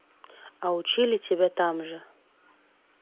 а учили тебя там же